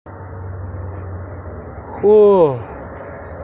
xo